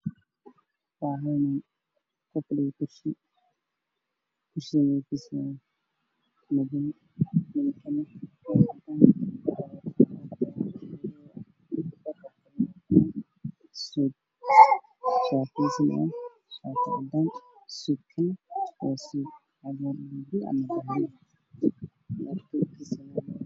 Waxaa ii muuqda nin cad oo meel fadhiya oo bidhaaar leh oo wato shati suldadoodihiin caddaan cadays ayuu ku ciyaarayaa miis madow ayaa hoos yaal